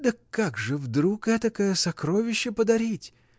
— Да как же вдруг этакое сокровище подарить!